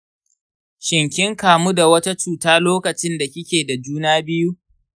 shin kin kamu da wata cuta lokacin da kike da juna biyu?